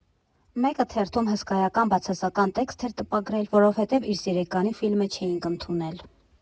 Մեկը թերթում հսկայական բացասական տեքստ էր տպագրել, որովհետև իր սիրեկանի ֆիլմը չէինք ընդունել։